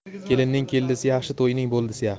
kelinning keldisi yaxshi to'yning bo'ldisi yaxshi